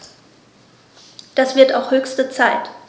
Das wird auch höchste Zeit!